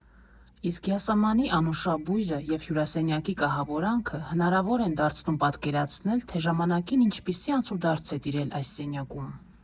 Իսկ յասամանի անուշաբույրը և հյուրասենյակի կահավորանքը հնարավոր են դարձնում պատկերացնել, թե ժամանակին ինչպիսի անցուդարձ է տիրել այս սենյակում։